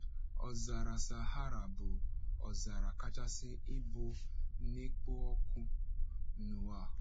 Ọzara Sahara bụ ọzara kachasi ibu na-ekpo ọkụ n'ụwa.